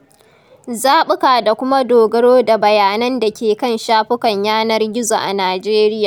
Zaɓuka da kuma dogaro da bayanan da ke kan shafukan yanar gizo a Nijeriya.